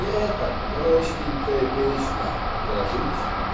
и эта "простенькая песня" про жизнь